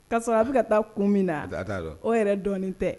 Kaasɔrɔ a bɛ ka taa kun min na o yɛrɛ dɔɔnin tɛ